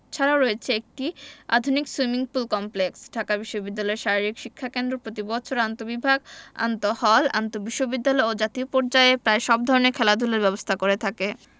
ছাড়াও রয়েছে একটি আধুনিক সুইমিং পুল কমপ্লেক্স ঢাকা বিশ্ববিদ্যালয় শারীরিক শিক্ষা কেন্দ্র প্রতিবছর আন্তঃবিভাগ আন্তঃহল আন্তঃবিশ্ববিদ্যালয় ও জাতীয় পর্যায়ে প্রায় সব ধরনের খেলাধুলার ব্যবস্থা করে থাকে